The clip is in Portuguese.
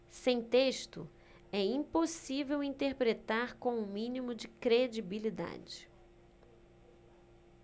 sem texto é impossível interpretar com o mínimo de credibilidade